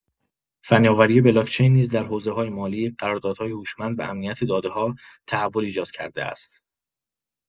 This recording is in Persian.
فناوری بلاکچین نیز در حوزه‌های مالی، قراردادهای هوشمند و امنیت داده‌ها تحول ایجاد کرده است.